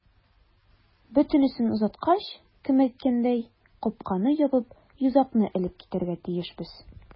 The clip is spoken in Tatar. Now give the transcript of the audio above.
Бөтенесен озаткач, кем әйткәндәй, капканы ябып, йозакны элеп китәргә тиешбез.